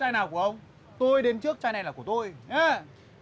chai nào của ông tôi đến trước chai này là của tôi nhá